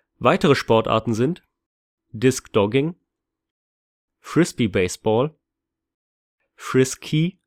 Weitere Sportarten sind: Discdogging Frisbee-Baseball Friskee